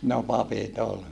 no papit oli